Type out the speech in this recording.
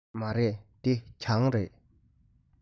མ རེད འདི གྱང རེད